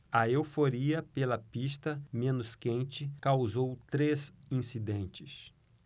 a euforia pela pista menos quente causou três incidentes